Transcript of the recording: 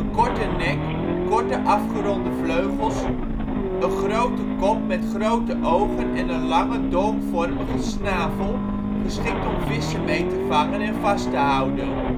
korte nek, korte, afgeronde vleugels, een grote kop met grote ogen en een lange, dolkvormige snavel, geschikt om vissen mee te vangen en vast te houden